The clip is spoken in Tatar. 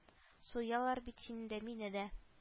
Суялар бит сине дә мине дә